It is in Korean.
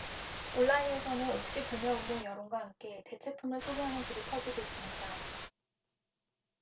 온라인에서는 옥시 불매운동 여론과 함께 대체품을 소개하는 글이 퍼지고 있습니다